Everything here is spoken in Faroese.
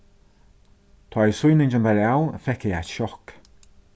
tá ið sýningin var av fekk eg eitt sjokk